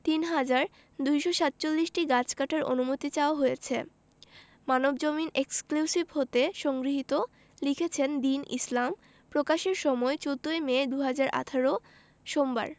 ৩হাজার ২৪৭টি গাছ কাটার অনুমতি চাওয়া হয়েছে মানবজমিন এক্সক্লুসিভ হতে সংগৃহীত লিখেছেন দীন ইসলাম প্রকাশের সময় ১৪ মে ২০১৮ সোমবার